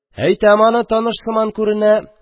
– әйтәм аны, таныш сыман күренә...